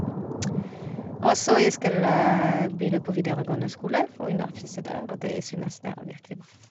Og så jeg skal begynne på videregående skole og undervise der, og det synes jet er virkelig bra.